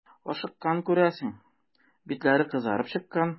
Ашыккан, күрәсең, битләре кызарып чыккан.